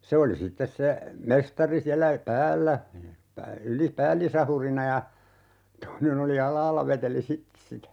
se oli sitten se mestari siellä päällä - päällisahurina ja toinen oli alhaalla veteli sitten sitä